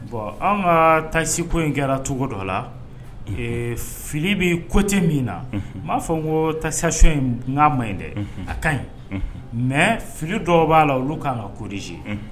Bon an ka tasiko in kɛra cogo dɔ la fili bɛ kote min na n b'a fɔ n ko tasi in ma ɲi dɛ a ka ɲi mɛ fili dɔ b'a la olu'an ka kodisi